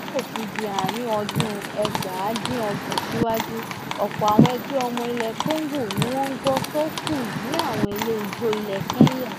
Nígbà tí yóò fi di ààrin ọdún 1970 síwájú, ọ̀pọ̀ àwọn ẹgbẹ́ ọmọ ilẹ̀ Congo ni wọ́n ń gbọ́ soukous ní àwọn ilé-ijó ilẹ̀ Kenya.